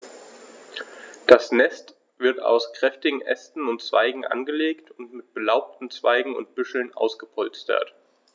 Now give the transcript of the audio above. Das Nest wird aus kräftigen Ästen und Zweigen angelegt und mit belaubten Zweigen und Büscheln ausgepolstert.